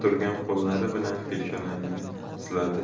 turgan qo'llari bilan peshonamni siladi